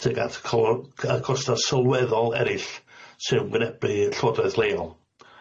tuag at co- y costa sylweddol erill sy'n wynebu llywodraeth leol.